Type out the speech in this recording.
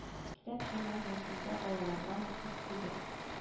Китап чын мәгънәсендә балаларга матур бүләк